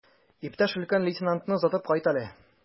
Иптәш өлкән лейтенантны озатып кайт әле.